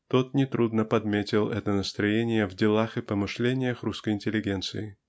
тому нетрудно подметить это настроение в делах и помышлениях русской интеллигенции.